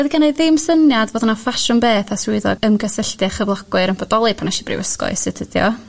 Doedd genai ddim syniad fod 'na ffasiwn beth a swyddog ymgysylltu a chyflogwyr yn bodoli pan eshi i Brifysgol i astudio